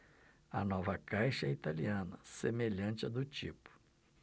a nova caixa é italiana semelhante à do tipo